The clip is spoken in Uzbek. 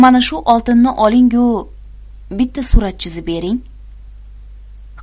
mana shu oltinni olingu bitta surat chizib bering